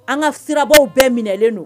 An ka sirabaw bɛɛ minɛlen don